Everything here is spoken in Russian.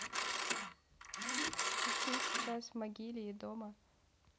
а ты сейчас в могиле и дома